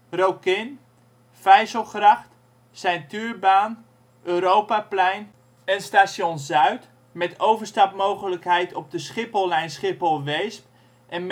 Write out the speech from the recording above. Rokin Vijzelgracht Ceintuurbaan Europaplein Zuid/WTC (overstapmogelijkheid op de Schiphollijn Schiphol - Weesp, en